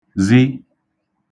zi